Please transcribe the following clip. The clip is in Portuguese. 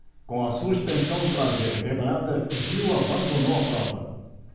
com a suspensão traseira quebrada gil abandonou a prova